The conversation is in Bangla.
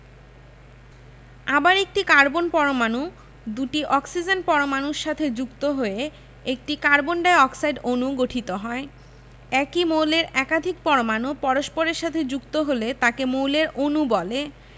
আবার একটি কার্বন পরমাণু দুটি অক্সিজেন পরমাণুর সাথে যুক্ত হয়ে একটি কার্বন ডাই অক্সাইড অণু গঠিত হয় একই মৌলের একাধিক পরমাণু পরস্পরের সাথে যুক্ত হলে তাকে মৌলের অণু বলে